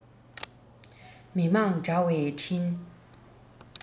མི དམངས དྲ བའི འཕྲིན